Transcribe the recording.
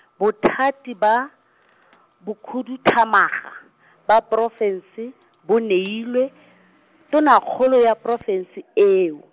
bothati ba , bokhuduthamaga, ba porofense, bo neilwe , Tonakgolo ya porofense eo.